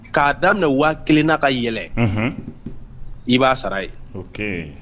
K'a daminɛ waati kelen' ka yɛlɛ i b'a sara ye